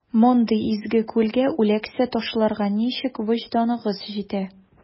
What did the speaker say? Мондый изге күлгә үләксә ташларга ничек вөҗданыгыз җитә?